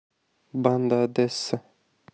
band odessa